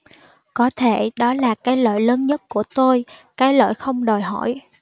có thể đó là cái lỗi lớn nhất của tôi cái lỗi không đòi hỏi